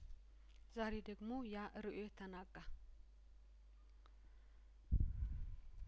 ዛሬ ደግሞ ያእርእዮት ተናጋ